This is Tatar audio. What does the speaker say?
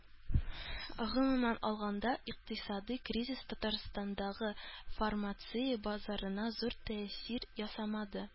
Гомумән алганда, икътисадый кризис Татарстандагы фармация базарына зур тәэсир ясамады